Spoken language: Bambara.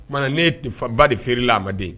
O tuma na ne tɛ faba de feere laden